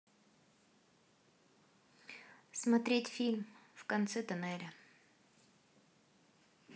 смотреть фильм в конце тоннеля